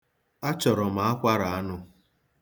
Achọrọ m akwara anụ.